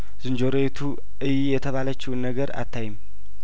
ዝንጀሮ ዪቱ እዪ የተባለችውን ነገር አታይም